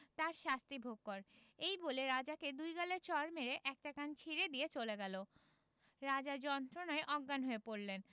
তার শাস্তি ভোগ কর এই বলে রাজার দুই গালে চড় মেরে একটা কান ছিড়ে দিয়ে চলে গেল রাজা যন্ত্রনায় অজ্ঞান হয়ে পড়লেন